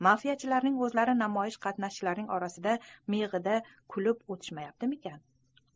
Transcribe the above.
mafiyachilarning o'zlari namoyish qatnashchilarining orasida miyig'ida kulib o'tirishmaganmikin